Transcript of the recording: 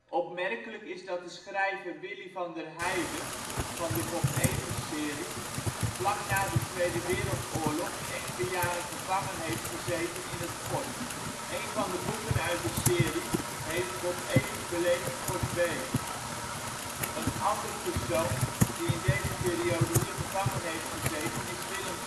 Opmerkelijk is dat de schrijver Willy van der Heide (van de Bob Evers-serie) vlak na de Tweede Wereldoorlog enkele jaren gevangen heeft gezeten in het fort. Een van de boeken uit de serie heet Bob Evers belegert Fort B. Een ander persoon die in deze periode hier gevangen heeft gezeten is Willem